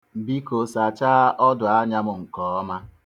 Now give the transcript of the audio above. Biko, sachaa ọdụanya m nke ọma.